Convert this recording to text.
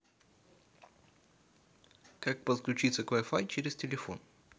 как подключиться к wi fi через телефон